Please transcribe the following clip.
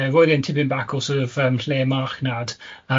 Roedd e'n tipyn bach o sor' of yym lle marchnad, yy